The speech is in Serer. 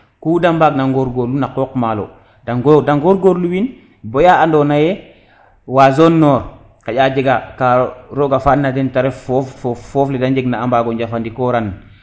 ku de mbaag na ngor ngorlu na qoq maalo de ngor ngorlu win baya ando naye wa zone nord xaƴa a jega ka roga fiyan na den te ref fof le de njeg na a mbago njefandi koran